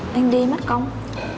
anh đi mất công